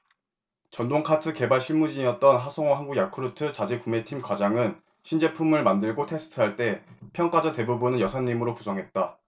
전동카트 개발 실무진이었던 하성오 한국야쿠르트 자재구매팀 과장은 시제품을 만들고 테스트할 때 평가자 대부분은 여사님으로 구성했다